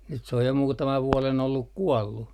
nyt se on jo muutaman vuoden ollut kuollut